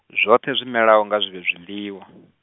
zwoṱhe zwimelaho nga zwivhe zwiḽiwa .